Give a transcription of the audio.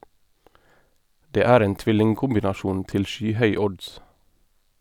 Det er en tvillingkombinasjon til skyhøy odds.